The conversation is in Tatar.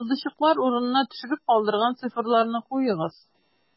Йолдызчыклар урынына төшереп калдырылган цифрларны куегыз: